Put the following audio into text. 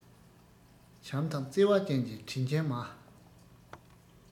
བྱམས དང བརྩེ བ ཅན གྱི དྲིན ཆེན མ